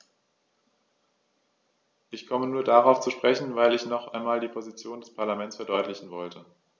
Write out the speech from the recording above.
Ich komme nur darauf zu sprechen, weil ich noch einmal die Position des Parlaments verdeutlichen wollte.